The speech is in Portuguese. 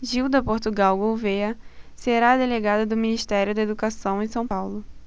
gilda portugal gouvêa será delegada do ministério da educação em são paulo